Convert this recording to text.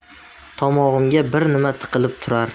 tomog'imga bir nima tiqilib turar